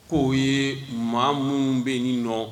K koo ye maa minnu bɛ nin nɔ